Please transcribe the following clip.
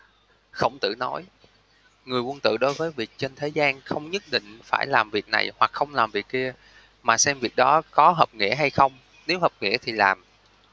khổng tử nói người quân tử đối với mọi việc trên thế gian không nhất định phải làm việc này hoặc không làm việc kia mà xem việc đó có hợp nghĩa hay không nếu hợp nghĩa thì làm